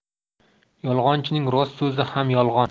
yolg'onchining rost so'zi ham yolg'on